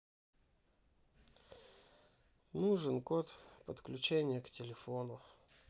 нужен код подключения к телефону